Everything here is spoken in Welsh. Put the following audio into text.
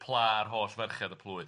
'Pla ar holl ferched y plwyf!'